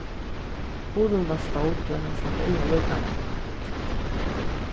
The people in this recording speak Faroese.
hurðin var stongd men hann slapp inn allíkavæl